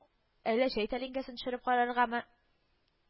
Әллә чәй тәлинкәсен төшереп карарганмы